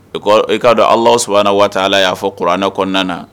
I kɔ i k'a dɔn Allahou Soubhana wa ta Alaa y'a fɔ kuranɛ kɔnɔna na